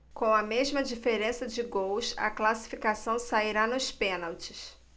com a mesma diferença de gols a classificação sairá nos pênaltis